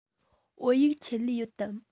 བོད ཡིག ཆེད ལས ཡོད དམ